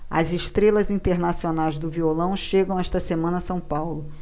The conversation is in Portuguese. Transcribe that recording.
as estrelas internacionais do violão chegam esta semana a são paulo